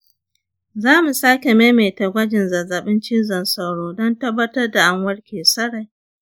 za mu sake maimaita gwajin zazzaɓin cizon sauro don tabbatar da an warke sarai.